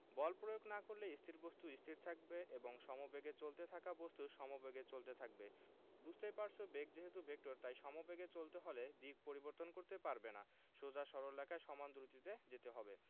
বল প্রয়োগ না করলে স্থির বস্তু স্থির থাকবে এবং সমেবেগে চলতে থাকা বস্তু সমেবেগে চলতে থাকবে বুঝতেই পারছ বেগ যেহেতু ভেক্টর তাই সমবেগে চলতে হলে দিক পরিবর্তন করতে পারবে না সোজা সরল রেখায় সমান দ্রুতিতে যেতে হবে